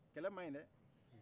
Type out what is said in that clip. kɛlɛ maɲi dɛ